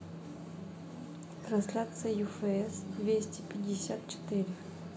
трансляция юфс двести пятьдесят четыре